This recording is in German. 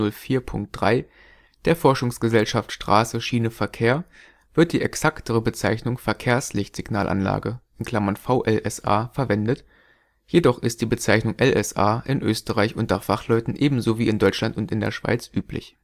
05.04.3) der Forschungsgesellschaft Straße - Schiene - Verkehr) wird die exaktere Bezeichnung Verkehrslichtsignalanlage (VLSA) verwendet, jedoch ist die Bezeichnung LSA in Österreich unter Fachleuten ebenso wie in Deutschland und in der Schweiz üblich